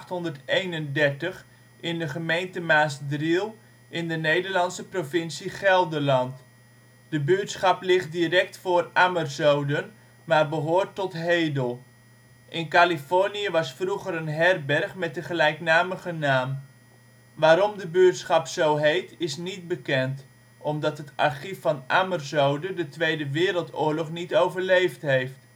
aan de N831 in de gemeente Maasdriel in de Nederlandse provincie Gelderland. De buurtschap ligt direct voor Ammerzoden, maar behoort tot Hedel. In Californië was vroeger een herberg met de gelijknamige naam. Waarom de buurtschap zo heet is niet bekend, omdat het archief van Ammerzoden de Tweede Wereldoorlog niet overleefd heeft